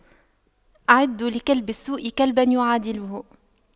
أعدّوا لكلب السوء كلبا يعادله